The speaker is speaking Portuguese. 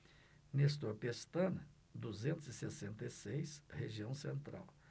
nestor pestana duzentos e sessenta e seis região central